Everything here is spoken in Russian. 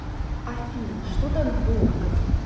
афина что так долго